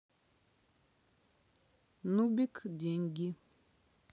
нубик деньги